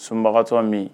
Sunbagatɔ min